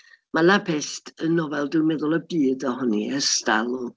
Ma' La Peste yn nofel dwi'n meddwl y byd ohoni ers talwm.